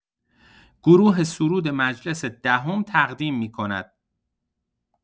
گروه سرود مجلس دهم تقدیم می‌کند.